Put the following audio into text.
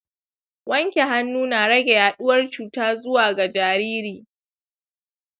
wanke hannu na rage yaɗuwar cuta zuwa ga jariri.